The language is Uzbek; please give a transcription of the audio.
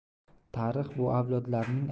tarix bu avlodlarning